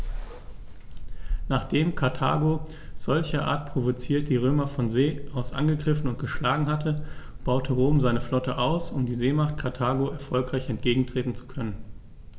Nachdem Karthago, solcherart provoziert, die Römer von See aus angegriffen und geschlagen hatte, baute Rom seine Flotte aus, um der Seemacht Karthago erfolgreich entgegentreten zu können.